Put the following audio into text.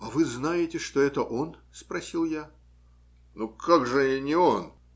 - А вы знаете, что это он? - спросил я. - Как же не он?